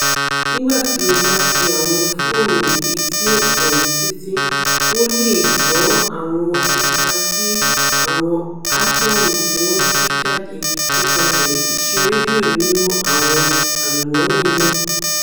nígbà tí o báfi àwọn fóònù ètí wọ̀nyí sétí, o leè gbọ́ àwọn ipa ti àwọn átọ́ọ́mù tíwọ́n tú jáde nípaṣẹ̀ iṣẹ́ rédíò nínú àwọn àlùmọ́ọ̀nì náà.''